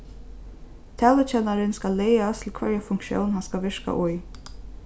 talukennarin skal lagast til hvørja funktión hann skal virka í